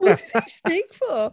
What's he saying snake for?